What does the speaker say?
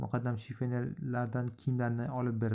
muqaddam shifonerlardan kiyimlarini olib berib turdi